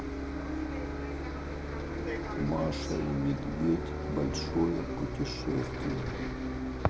маша и медведь большое путешествие